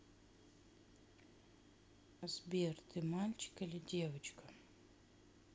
сбер ты мальчик или девочка